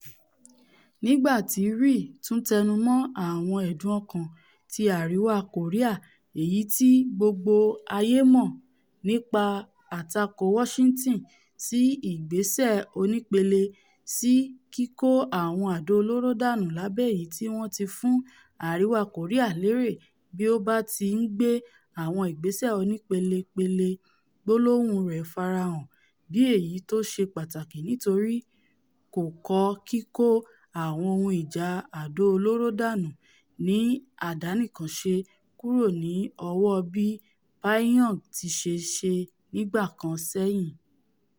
nígbà tí Ri tún tẹnumọ́ àwọn ẹ̀dùn ọkàn ti Àríwa Kòríà èyití gbogbo ayé mọ̀ nípa àtakò Washington sí ìgbéṣẹ̀ ''onípele'' sí kíkó àwọn àdò olóró dànù lábẹ́ èyití wọn ti fún Àríwá Kòríà lérè bí ó báti ńgbé àwọn ìgbésẹ̀ onípẹ̀lẹ̀pẹlẹ̀, gbólóhùn rẹ̀ farahàn bí eyito ṣe pàtàkì nítorípe kò kọ kíkó àwọn ohun ìjà àdó olóro dànù ní àdánìkànṣe kuro ní ọwọ́ bí Pyongyang tiṣe se nígbà kan sẹyìn.